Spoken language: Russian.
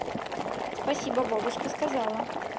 спасибо бабушка сказала